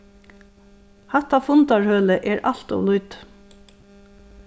hatta fundarhølið er alt ov lítið